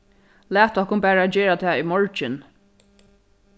lat okkum bara gera tað í morgin